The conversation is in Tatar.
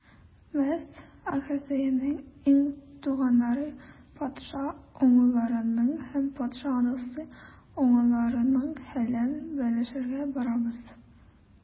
Без - Ахазеянең ир туганнары, патша угылларының һәм патша анасы угылларының хәлен белешергә барабыз.